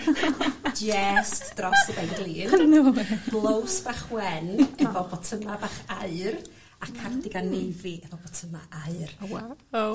Jest drost y ben glin. Oh no way! Blows bach wen efo botyma' bach aur a cardigan nefi efo botyma' aur. O waw. O.